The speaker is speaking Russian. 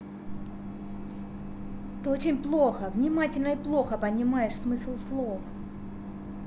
ты очень плохо внимательно и плохо понимаешь смысл слов